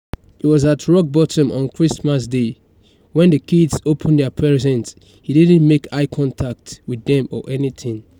He was at rock bottom on Christmas Day - when the kids opened their presents he didn't make eye contact with them or anything."